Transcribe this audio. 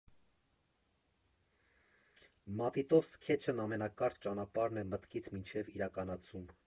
Մատիտով սքեթչն ամենակարճ ճանապարհն է մտքից մինչև իրականացում։